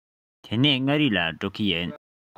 དེ ནས མངའ རིས ལ འགྲོ གི ཡིན